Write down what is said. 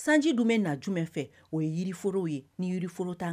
Sanji don bɛ na jumɛn min fɛ o ye yirif ye ni yirioro tan